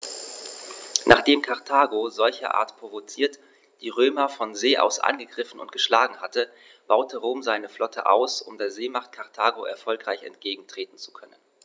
Nachdem Karthago, solcherart provoziert, die Römer von See aus angegriffen und geschlagen hatte, baute Rom seine Flotte aus, um der Seemacht Karthago erfolgreich entgegentreten zu können.